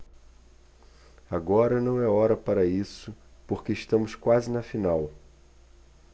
agora não é hora para isso porque estamos quase na final